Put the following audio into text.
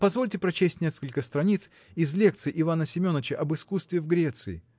позвольте прочесть несколько страниц из лекций Ивана Семеныча об искусстве в Греции.